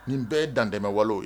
Nin bɛɛ ye dantɛ wale ye